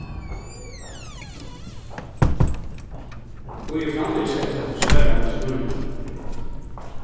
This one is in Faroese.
eg bíði framvegis eftir at tú svarar mínum spurningi